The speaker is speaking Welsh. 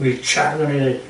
Wiltshire odda ni'n ddeud.